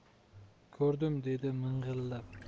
ko'rdim dedi ming'illab